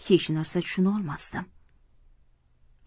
hech narsa tushuna olmasdim